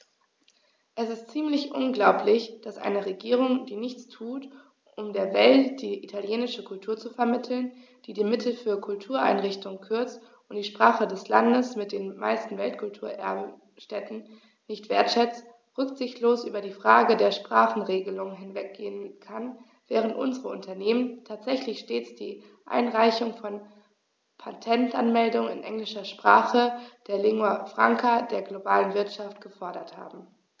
Es ist ziemlich unglaublich, dass eine Regierung, die nichts tut, um der Welt die italienische Kultur zu vermitteln, die die Mittel für Kultureinrichtungen kürzt und die Sprache des Landes mit den meisten Weltkulturerbe-Stätten nicht wertschätzt, rücksichtslos über die Frage der Sprachenregelung hinweggehen kann, während unsere Unternehmen tatsächlich stets die Einreichung von Patentanmeldungen in englischer Sprache, der Lingua Franca der globalen Wirtschaft, gefordert haben.